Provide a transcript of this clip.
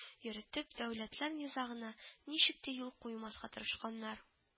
Йөретеп, дәүләтләр низагына ничек тә юл куймаска тырышканнар